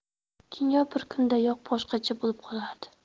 dunyo bir kundayoq boshqacha bo'lib qolardi